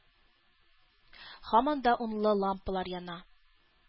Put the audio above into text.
Һаман да унлы лампалар яна.